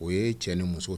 O ye cɛ ni muso